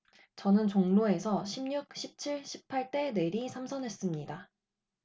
저는 종로에서 십 육 십 칠 십 팔 대 내리 삼선했습니다